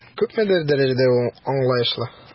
Күпмедер дәрәҗәдә ул аңлаешлы.